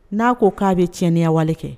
Na ko ka bi tiɲɛliya wale kɛ.